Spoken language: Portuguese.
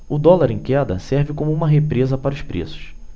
o dólar em queda serve como uma represa para os preços